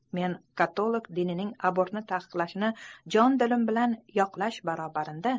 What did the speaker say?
men katolik dinining abortni ta'qiqlashini jon dilim bilan yoqlash barobarinda